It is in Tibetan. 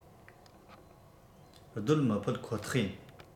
སྡོད མི ཕོད ཁོག ཐག ཡིན